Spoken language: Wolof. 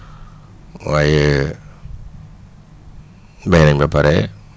waaye béy nañ ba pare